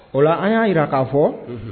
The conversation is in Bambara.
O la an y'a jira k'a fɔ